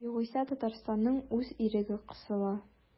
Югыйсә Татарстанның үз иреге кысыла.